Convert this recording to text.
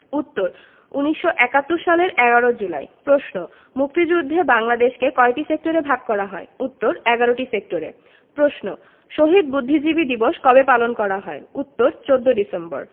উত্তর ১৯৭১ সালের ১১ জুলাই প্রশ্ন মুক্তিযুদ্ধে বাংলাদেশকে কয়টি সেক্টরে ভাগ করা হয় উত্তর ১১টি সেক্টরে প্রশ্ন শহীদ বুদ্ধিজীবী দিবস কবে পালন করা হয় উত্তর ১৪ ডিসেম্বর